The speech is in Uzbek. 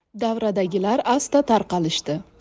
davradagilar asta tarqalishdi